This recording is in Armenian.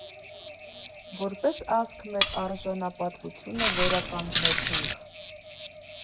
Որպես ազգ մեր արժանապատվությունը վերականգնեցինք։